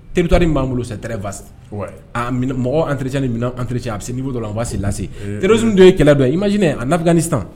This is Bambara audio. Territoire min b'an bolo c'est très vaste mɔgɔw entretien ani minɛnw entretien a bɛ se niveau dɔ la on va se lasser terrorisme de ye kɛlɛ dɔ ye imagines toi en Afganistan